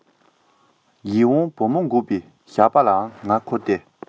ཡིད འོང བུ མོ འགུགས པའི ཞགས པ ལའང ང མཁོ སྟེ